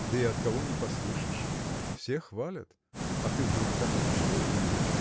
да и от кого ни послышишь – все хвалят а ты вдруг так уничтожил его.